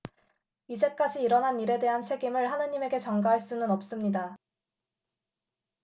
이제까지 일어난 일에 대한 책임을 하느님에게 전가할 수는 없습니다